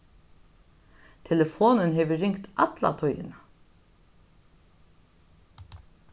telefonin hevur ringt alla tíðina